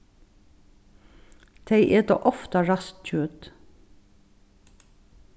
tey eta ofta ræst kjøt